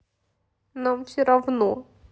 нам все равно